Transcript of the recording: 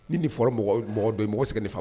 Ni nin fɔra mɔgɔ ,o mɔgɔ , dɔ ye mɔgɔ te se ka ni famu